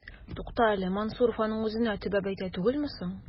Тукта әле, Мансуров аның үзенә төбәп әйтә түгелме соң? ..